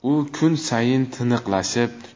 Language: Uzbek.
u kun sayin tiniqlashib